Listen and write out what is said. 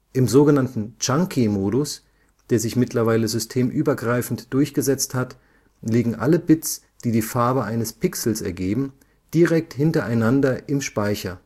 Im sogenannten Chunky-Modus (der sich mittlerweile systemübergreifend durchgesetzt hat) liegen alle Bits, die die Farbe eines Pixels ergeben, direkt hintereinander im Speicher